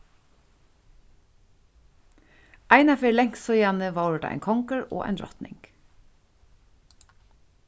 einaferð langt síðani vóru tað ein kongur og ein drotning